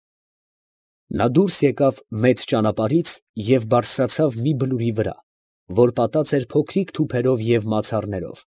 Նա դուրս եկավ մեծ ճանապարհից և բարձրացավ մի բլուրի վրա, որ պատած էր փոքրիկ թուփերով ու մացառներով։